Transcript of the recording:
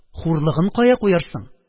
Хурлыгын кая куярсың?